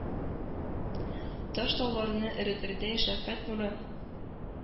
Таш-тауларны эретердәй шәфкать нуры